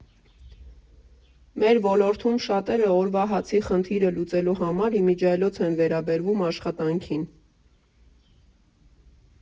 Մեր ոլորտում շատերը օրվա հացի խնդիրը լուծելու համար իմիջիայլոց են վերաբերվում աշխատանքին։